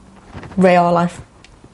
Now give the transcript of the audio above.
reolaeth